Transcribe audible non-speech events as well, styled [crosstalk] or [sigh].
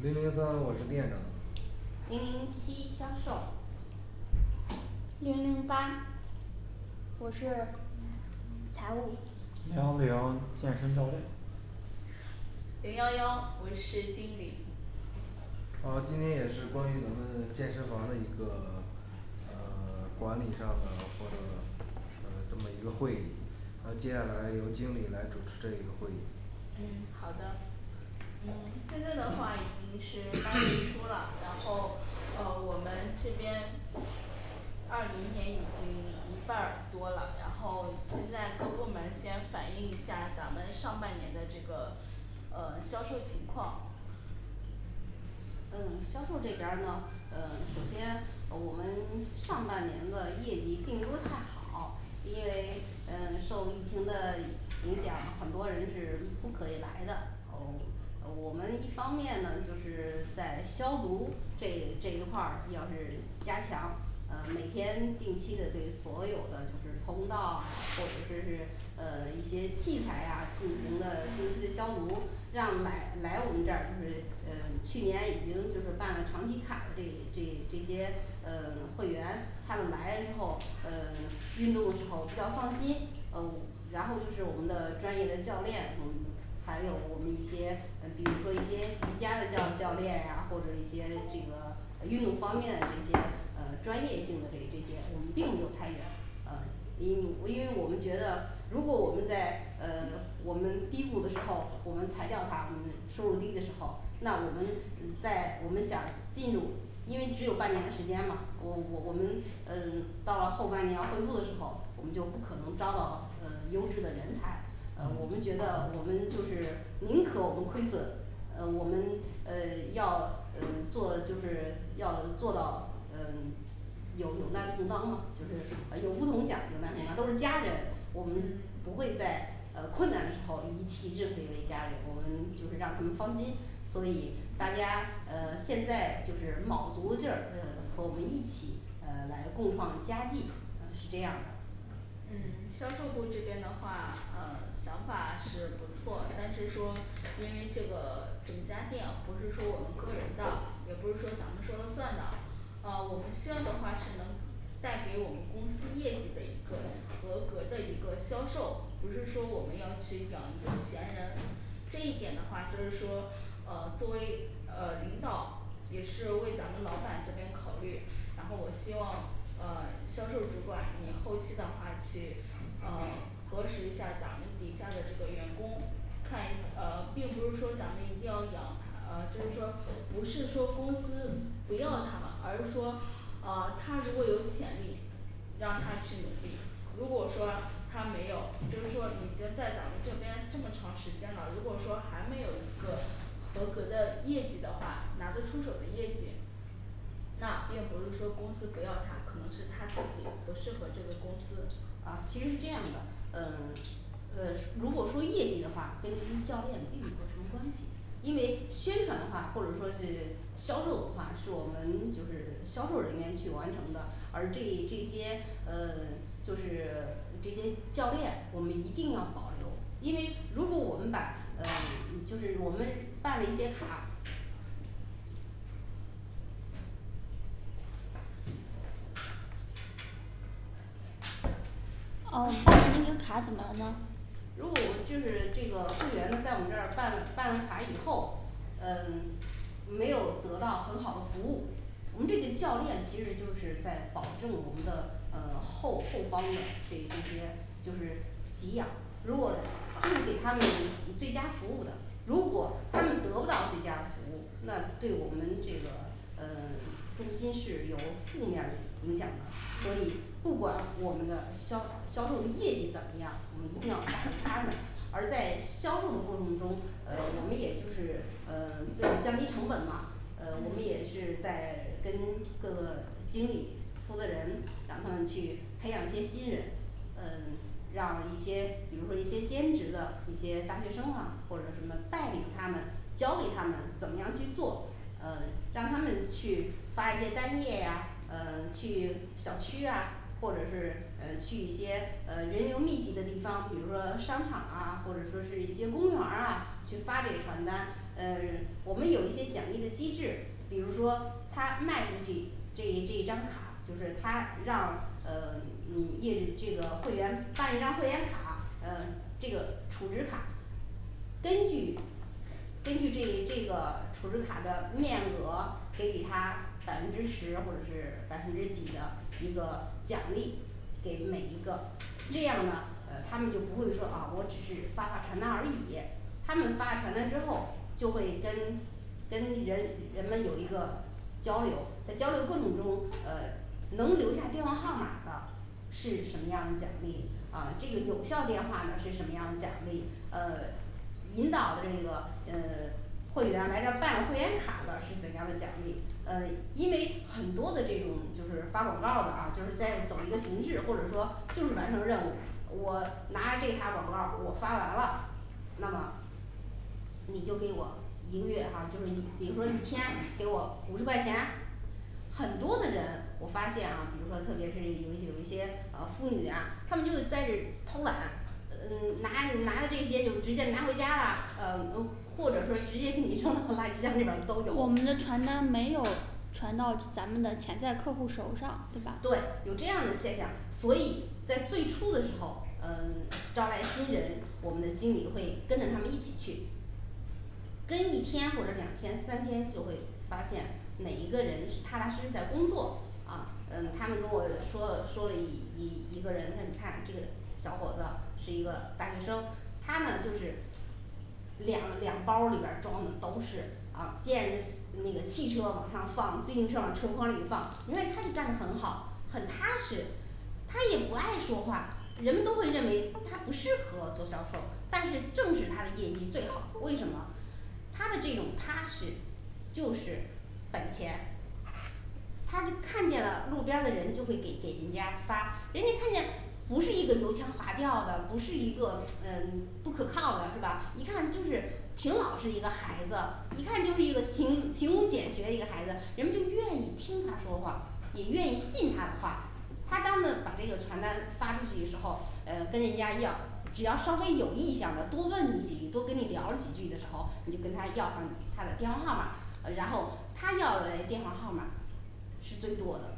零零三我是店长零零七销售零零八我是财务零幺零健身教练零幺幺我是经理好，今天也是关于咱们健身房的一个 [silence] 呃 [silence] 管理上的这么呃这么一个会那接下来由经理来主持这会议嗯好的嗯现在的话已经是八月初了，然后呃我们这边二零年已经一半儿多了，然后现在各部门先反映一下咱们上半年的这个呃销售情况呃销售这边儿呢嗯首先呃我们上半年的业绩并不是太好因为嗯受疫情的影响，很多人是不可以来的哦呃我们一方面呢就是在消毒这这一块儿，要是加强呃每天定期的对所有的就是通道，或者就是呃一些器材呀进行了定期的消毒，让来来我们这儿就是嗯去年已经就是办了长期卡的这些这这些呃会员，他们来然后呃 [silence] 运动的时候要放心哦然后就是我们的专业的教练，我们还有我们一些呃比如说一些瑜伽的教教练啊，或者一些这个运动方面的这些呃专业性的这这些我们并没有参选呃因因为我们觉得如果我们在呃 [silence] 我们第一步的时候，我们才调查我们的收入低的时候，那我们嗯在我们想进入因为只有半年的时间嘛，我我我们呃到了后半年要回顾的时候，我们就不可能招到呃优质的人才，呃我们觉得我们就是宁可我们亏损呃我们呃要嗯做就是要做到嗯有有难同当嘛，就是啊有福同享有难同当，都是家人，我们嗯不会在呃困难的时候一起日负一位家人，我们就是让他们放心所以大家呃现在就是卯足了劲儿跟着我们和我们一起呃来共创佳绩，呃是这样的嗯销售部这边的话呃想法是不错，但是说因为这个整家店不是说我们个人的，也不是说咱们说了算的噢我们需要的话是能带给我们公司业绩的一个合格的一个销售，不是说我们要去养一个闲人这一点的话就是说呃作为呃领导也是为咱们老板这边考虑，然后我希望呃销售主管你后期的话去呃核实一下咱们底下的这个员工看一呃，并不是说咱们一定要养他，呃就是说不是说公司不要他了，而是说呃他如果有潜力让他去努力，如果说他没有就是说已经在咱们这边这么长时间了，如果说还没有一个合格的业绩的话，拿得出手的业绩那并不是说公司不要他，可能是他自己不适合这个公司啊其实是这样的嗯 [silence] 呃如果说业绩的话跟那些教练并没有什么关系因为宣传的话或者说是销售的话是我们就是销售人员去完成的，而这这些呃 [silence] 就是这些教练我们一定要保留因为如果我们把呃嗯就是我们办理这些卡呃健身卡怎么了呢如果我们就是这个会员在我们这儿办办了卡以后，嗯没有得到很好的服务，我们这个教练其实就是在保证我们的呃后后方的这这些就是给养如果不给他们以最佳服务的，如果他们得不到最佳服务，那对我们这个嗯重心是有负面儿影响的所以嗯不管我们的销销售业绩怎么样我们一定要满足他们& [hesitation] &，而在销售过程中呃我们也就是呃为了降低成本嘛呃我们也嗯是在跟各个经理负责人，然后呢去培养一些新人呃让一些比如说一些兼职的一些大学生啊或者什么带领他们教给他们怎么样去做，呃让他们去发一些单页啊，呃去小区啊或者是呃去一些呃人流密集的地方，比如说商场啊或者说是一些公园儿啊去发给传单，嗯 [silence] 我们有一些奖励的机制，比如说他卖出去这一这一张卡，就是他让嗯你印这个会员办一张会员卡呃这个储值卡，根据根据这这个储值卡的面额给予他百分之十或者是百分之几的一个奖励给每一个，这样呢呃他们就不会说啊我只是发发传单而已，他们发传单之后就会跟跟人人们有一个交流，在交流过程中呃能留下电话号码的是什么样儿奖励，啊这个有效电话呢是什么样儿奖励，呃引导这个嗯会员来这儿办了会员卡的是怎样的奖励呃，因为很多的这种就是发广告儿的啊就是在走一个形式或者说就是完成任务，我拿着这沓广告儿我发完了那么你就给我一个月啊，就是一比如说一天给我五十块钱很多的人我发现啊比如说特别是有一有一些啊妇女啊，他们就在这儿偷懒嗯拿着拿着这些就直接拿回家啦，呃嗯或者说直接给你扔到垃圾箱里边儿都有我 [noise] 们的传单没有传到咱们的潜在客户手上对吧对有这样的现象，所以在最初的时候嗯招来新人，我们的经理会跟着他们一起去跟一天或者两天三天就会发现哪一个人是踏踏实实在工作，啊嗯他们跟我说说了一一一个人，问看这个小伙子是一个大学生，他呢就是两两包儿里边儿装的都是啊见那个汽车往上放，自行车儿车筐里放，另外他就干的很好很踏实他也不爱说话，人们都会认为他不适合做销售，但是正是他的业绩最好，为什么？他的这种踏实就是本钱他就看见了路边儿的人就会给给人家发，人家看见不是一个油腔滑调的，不是一个嗯不可靠的是吧？一看就是挺老实，一个孩子一看就是一个勤勤工俭学一个孩子，人们就愿意听他说话也愿意，信他的话他当的把这个传单发出去的时候，呃跟人家要只要稍微有意向了，多问你几句，多跟你聊儿几句的时候，你就跟他要上他的电话号码，呃然后他要来电话号码儿是最多的